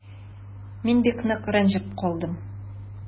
Мин бик нык рәнҗеп калдым.